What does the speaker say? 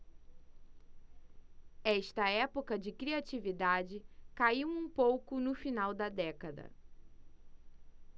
esta época de criatividade caiu um pouco no final da década